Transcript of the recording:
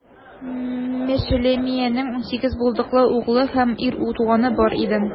Мешелемиянең унсигез булдыклы углы һәм ир туганы бар иде.